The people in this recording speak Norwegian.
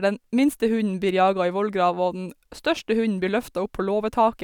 Den minste hunden blir jaga i vollgrava og den største hunden blir løfta opp på låvetaket.